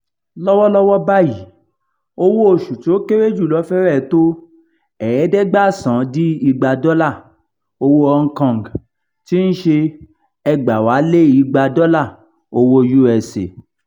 Lọ́wọ́lọ́wọ́ báyìí, owó oṣù tí ó kéré jù lọ fẹ́rẹ̀ tó $16,800 dọ́là owó Hong Kong tí ń ṣe ($2,200 dọ́là owó US).